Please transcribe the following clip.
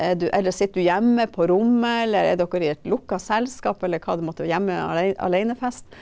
er du eller sitter du hjemme på rommet, eller er dere i et lukka selskap, eller hva det måtte hjemme aleine-fest.